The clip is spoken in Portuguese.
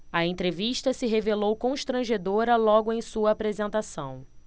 a entrevista se revelou constrangedora logo em sua apresentação